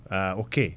ah :fraok